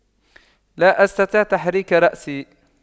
لا أستطيع تحريك رأسي